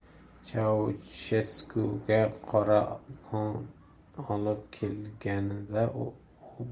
chausheskuga qora non olib kelishganida u